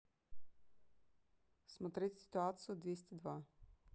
смотреть ситуацию двести два